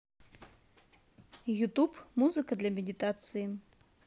ютуб музыка для медитации